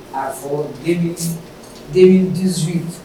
A'a fɔ den denmidiz